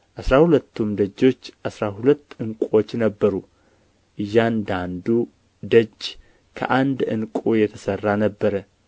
አሥራ ሁለቱም ደጆች አሥራ ሁለት ዕንቆች ነበሩ እየአንዳንዱ ደጅ ከአንድ ዕንቍ የተሠራ ነበረ